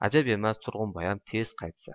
ajab emas turg'unboyam tez qaytsa